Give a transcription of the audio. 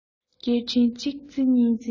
སྐད འཕྲིན གཅིག རྩེ གཉིས རྩེ